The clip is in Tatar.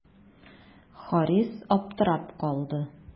Харис аптырап калды.